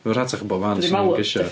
Mae'n rhatach yn bob man 'swn i'n gesio.